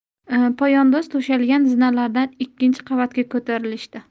poyandoz to'shalgan zinalardan ikkinchi qavatga ko'tarilishdi